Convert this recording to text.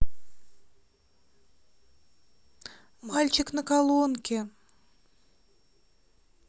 мальчик на колонке